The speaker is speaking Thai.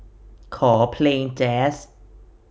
ขอเพลงแจ๊ส